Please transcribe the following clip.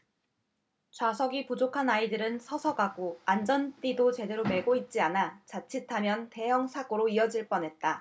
좌석이 부족한 아이들이 서서 가고 안전띠도 제대로 매고 있지 않아 자칫하면 대형사고로 이어질 뻔했다